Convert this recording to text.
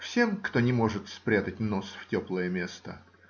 всем, кто не может спрятать нос в теплое место.